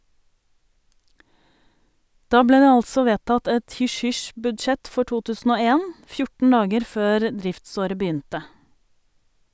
Da ble det altså vedtatt et hysj-hysj-budsjett for 2001 , 14 dager før driftsåret begynte.